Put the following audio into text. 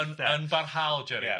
Yn yn yn barhaol Jerry ia.